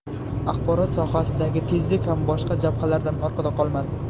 axborot sohasidagi tezlik ham boshqa jabhalardan orqada qolmadi